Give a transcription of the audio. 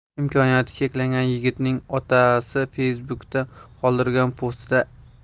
imkoniyati cheklangan yigitning otasi facebook'da qoldirgan postida